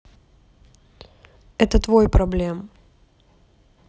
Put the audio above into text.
это твой проблем